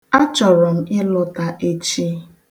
A chọrọ m ịlọta echi.